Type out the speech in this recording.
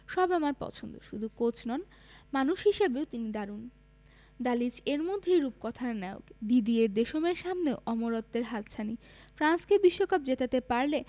সব আমার পছন্দ শুধু কোচ নয় মানুষ হিসেবেও তিনি দারুণ দালিচ এরই মধ্যে রূপকথার নায়ক দিদিয়ের দেশমের সামনেও অমরত্বের হাতছানি ফ্রান্সকে বিশ্বকাপ জেতাতে পারলে